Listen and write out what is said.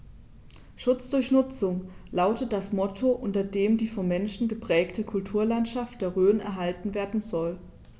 „Schutz durch Nutzung“ lautet das Motto, unter dem die vom Menschen geprägte Kulturlandschaft der Rhön erhalten werden soll.